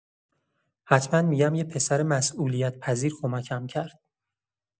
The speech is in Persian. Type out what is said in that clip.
حتما می‌گم یه پسر مسئولیت‌پذیر کمکم کرد.